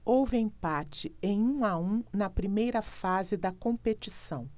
houve empate em um a um na primeira fase da competição